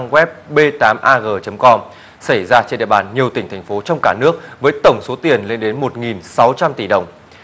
goép bê tám a gờ chấm com xảy ra trên địa bàn nhiều tỉnh thành phố trong cả nước với tổng số tiền lên đến một nghìn sáu trăm tỷ đồng